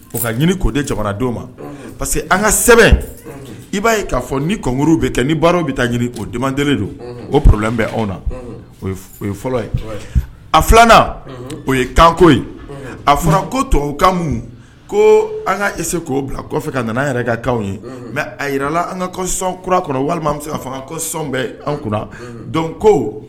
O ka k'o ma parce que an ka sɛbɛn i b'a'a fɔ nikuru bɛ kɛ ni baara bɛ taa ode don o plen bɛ anw na o fɔlɔ ye a filanan o ye kanko ye a fɔra ko tɔ ka ko an ka ese k'o bila kɔfɛ ka nana an yɛrɛ ka kɛ ye mɛ a jirala an ka sɔn kura kɔnɔ walima se fanga ko sɔn bɛɛ an kunna ko